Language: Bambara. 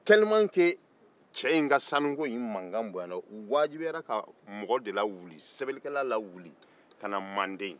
tellement que cɛ in sanu ko in mankan bonyana u wajibiyara ka mɔgɔ de lawuli sɛbɛlikɛla lawuli ka na manden